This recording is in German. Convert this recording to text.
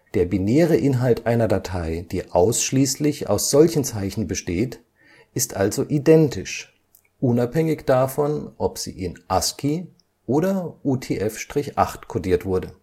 Der binäre Inhalt einer Datei, die ausschließlich aus solchen Zeichen besteht, ist also identisch, unabhängig davon, ob sie in ASCII oder UTF-8 codiert wurde